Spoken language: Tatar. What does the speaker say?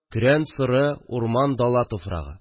Көрән-соры, урман-дала туфрагы